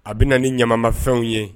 A bɛ na ni ɲama mafɛnw ye